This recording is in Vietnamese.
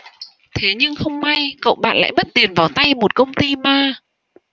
thế nhưng không may cậu bạn lại mất tiền vào tay một công ty ma